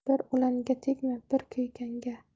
bir o'lganga tegma bir kuyganga